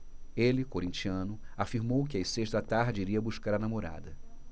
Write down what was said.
ele corintiano afirmou que às seis da tarde iria buscar a namorada